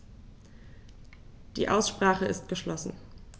Die Aussprache ist geschlossen.